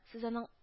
Сез аның